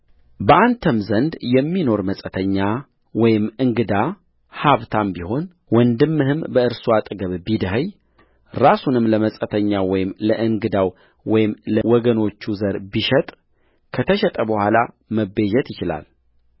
በአንተም ዘንድ የሚኖር መጻተኛ ወይም እንግዳ ሀብታም ቢሆን ወንድምህም በእርሱ አጠገብ ቢደኸይ ራሱንም ለመጻተኛው ወይም ለእንግዳው ወይም ለወገኖቹ ዘር ቢሸጥከተሸጠ በኋላ መቤዠት ይችላል